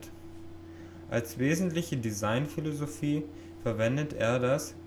wesentliche Design-Philosophie verwendete er das